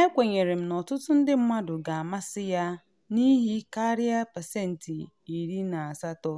“Ekwenyere m n’ọtụtụ ndị mmadụ ga-amasị ya n’ihi karịa pasentị 80